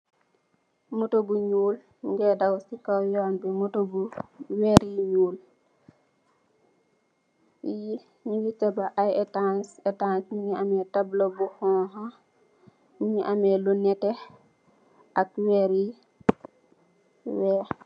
Motor bu njull mungeh daw cii kaw yon bii, motor bu wehrre yu njull, yii njungy tabakh aiiy ehtanss, ehtanss bii mungy mungy ameh tableaux bu honha, mungy ameh lu nehteh ak wehrre yu wekh.